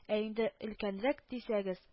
Ә инде өлкәнрәк дисәгез